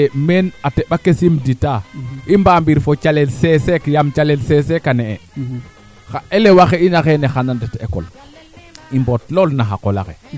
le reste o quundu maadun a jga weena yeya keene mbaan o quundu madun bo a tax prevoir kiro kee ando naye